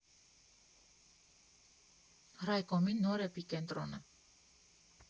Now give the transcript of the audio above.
Ռայկոմի նոր էպիկենտրոնը։